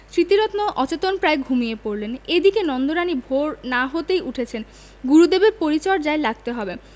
স্মৃতিরত্ন অচেতনপ্রায় ঘুমিয়ে পড়লেন এদিকে নন্দরানী ভোর না হতেই উঠেছেন গুরুদেবের পরিচর্যায় লাগতে হবে